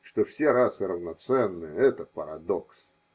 Что все расы равноценны, это парадокс.